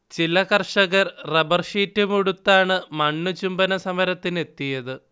ചില കർഷകർ റബ്ബർഷീറ്റും ഉടുത്താണ് മണ്ണ് ചുംബന സമരത്തിന് എത്തിയത്